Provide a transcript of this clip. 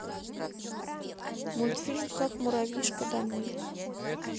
мультфильм как муравьишка домой